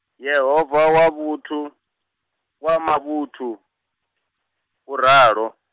Yehova wa vhuthu-, wa mavhuthu, uralo.